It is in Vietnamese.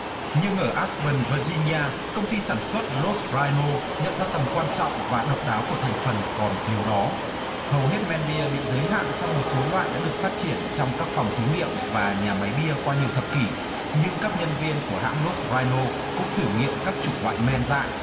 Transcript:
nhưng ở át pừn và di nha công ty sản xuất lốt roai nô nhận ra tầm quan trọng và độc đáo của thành phần còn thiếu đó hầu hết men bia bị giới hạn trong một số loại đã được phát triển trong các phòng thí nghiệm và nhà máy bia qua nhiều thập kỷ nhưng các nhân viên của hãng lốt roai nô cũng thử nghiệm các chủng loại man dại